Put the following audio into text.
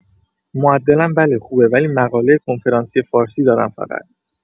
معدلم بله خوبه ولی مقاله کنفرانسی فارسی دارم فقط